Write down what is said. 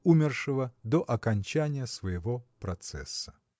умершего до окончания своего процесса.